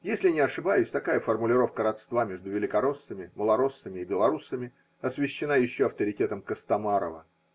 Если не ошибаюсь, такая формулировка родства между великороссами, малороссами и белоруссами освящена еще авторитетом Костомарова.